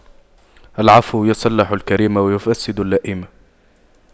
العفو يصلح الكريم ويفسد اللئيم